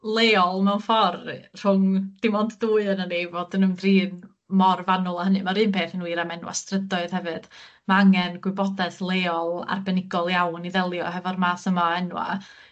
leol mewn ffordd rhwng dim ond dwy ona ni i fod yn ymdrin mor fanwl â hynny. Ma'r un peth yn wir am enwa' strydoedd hefyd ma' angen gwybodaeth leol arbenigol iawn i ddelio hefo'r math yma o enwa'